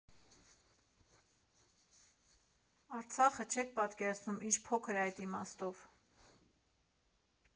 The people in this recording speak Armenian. Արցախը, չեք պատկերացնում, ի՜նչ փոքր էր այդ իմաստով։